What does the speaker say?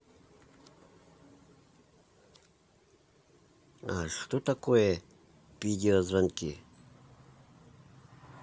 а что такое видеозвонки